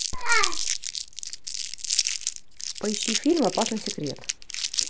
поищи фильм опасный секрет